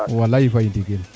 walay Faye